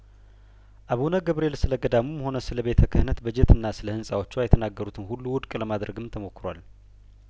አቡነ ገብርኤል ስለገዳሙም ሆነ ስለቤተ ክህነት በጀትና ስለህንጻዎቿ የተናገሩትን ሁሉ ውድቅ ለማድረግም ተሞክሯል